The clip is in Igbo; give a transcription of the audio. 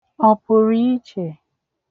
ọ̀pụ̀rụ̀ichè